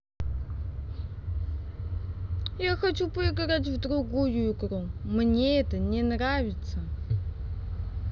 я хочу поиграть в другую игру мне это не нравится